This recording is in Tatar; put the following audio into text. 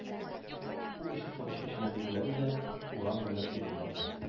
Ул ишекне ачкыч белән бикләде дә урам буйлап китеп барды.